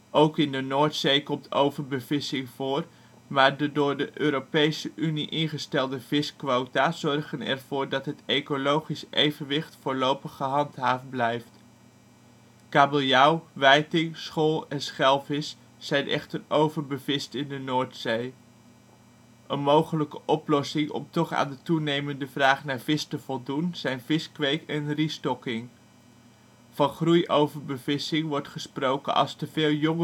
Ook in de Noordzee komt overbevissing voor, maar de door de Europese Unie ingestelde visquota zorgen er voor dat het ecologisch evenwicht voorlopig gehandhaafd blijft. Kabeljauw, wijting, schol en schelvis zijn echter overbevist in de Noordzee. Een mogelijke oplossing om toch aan de toenemende vraag naar vis te voldoen zijn viskweek en restocking. Van groei-overbevissing wordt gesproken als te veel